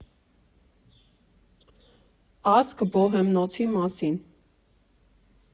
Ասք Բոհեմնոցի մասին։